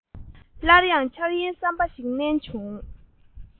སླར ཡང འཆར ཡན གསར པ ཞིག བསྣན སོང